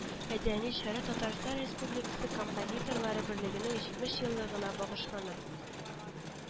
Мәдәни чара Татарстан Республикасы композиторлары берлегенең җитмеш еллыгына багышлана